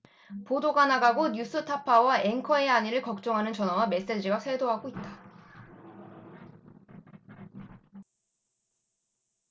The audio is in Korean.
보도가 나가고 뉴스타파 와 앵커의 안위를 걱정하는 전화와 메시지가 쇄도하고 있다